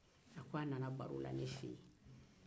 a ko a nana baro la ne fɛ